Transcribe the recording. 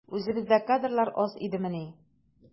Үзебездә кадрлар аз идемени?